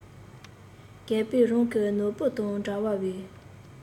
རྒད པོས རང གི ནོར བུ དང འདྲ བའི